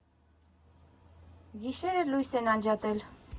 Գիշերը լույս են անջատել։